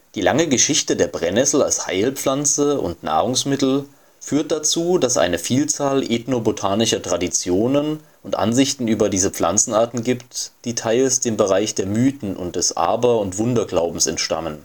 Die lange Geschichte der Brennnessel als Heilpflanze und Nahrungsmittel führt dazu, dass es eine Vielzahl ethnobotanischer Traditionen und Ansichten über diese Pflanzenarten gibt, die teils dem Bereich der Mythen und des Aber - und Wunderglaubens entstammen